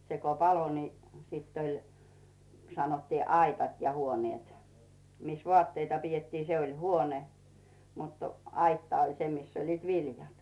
se kun paloi niin sitten oli sanottiin aitat ja huoneet missä vaatteita pidettiin se oli huone mutta aitta oli se missä olivat viljat